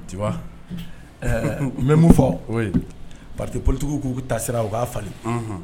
Wa n bɛ' fɔ pate politigiw k'u tasira u k'a falen